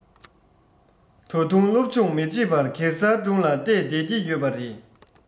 ད དུང སློབ སྦྱོང མི བྱེད པར གེ སར སྒྲུང ལ བལྟས བསྡད ཀྱི ཡོད པ རེད